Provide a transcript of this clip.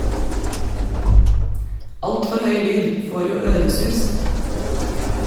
Altfor høy lyd - får jo øresus.